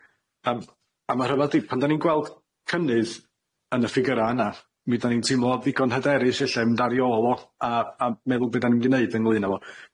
Yym a ma' rhyfadd 'di pan 'da ni'n gweld cynnydd yn y ffigyra' yna mi 'dan ni'n teimlo ddigon hyderus ella i mynd ar i ôl o a a meddwl be' 'dan ni mynd i neud ynglŷn â fo.